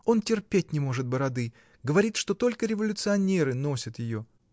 Он терпеть не может бороды: говорит, что только революционеры носят ее.